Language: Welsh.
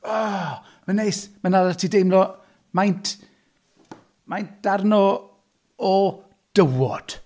O, mae'n neis, mae'n hala ti deimlo, maint... maint darn o... o dywod.